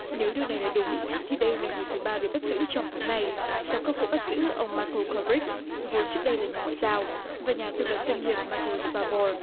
nếu điều này là đúng thì đây là người thứ ba bị bắt giữ trong tháng này số các vụ bắt giữ ông mai cô cô rích vốn trước đây là nhà ngoại giao và nhà tư vấn doanh nghiệp mai cô sờ ba bo